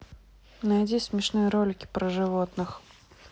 найти смешные ролики про животных